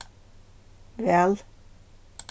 væl